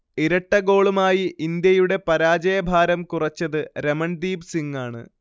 ഇരട്ടഗോളുമായി ഇന്ത്യയുടെ പരാജയഭാരം കുറച്ചത് രമൺദീപ് സിങ്ങാണ്